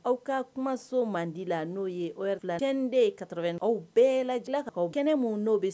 Aw ka kumaso mandi la n'o ye o yɛrɛ la kɛnɛden ye kabɛn aw bɛɛ laja ka kɛnɛ minnu n'o bɛ